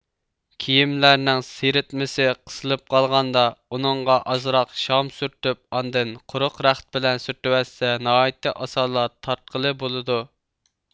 كىيىملەرنىڭ سىرىتمىسى قىسىلىپ قالغاندا ئۇنىڭغا ئازراق شام سۈرتۈپ ئاندىن قۇرۇق رەخت بىلەن سۈرتىۋەتسە ناھايىتى ئاسانلا تارتقىلى بولىدۇ